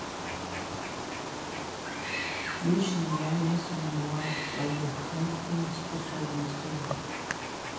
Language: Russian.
лично я не сомневаюсь в твоих умственных способностей